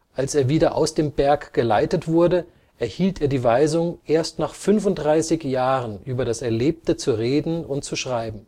Als er wieder aus dem Berg geleitet wurde, erhielt er die Weisung, erst nach 35 Jahren über das Erlebte zu reden und zu schreiben